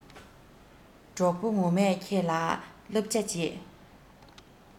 གྲོགས པོ ངོ མས ཁྱེད ལ སླབ བྱ བྱེད